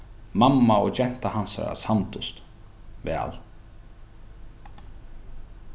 mamma og genta hansara samdust væl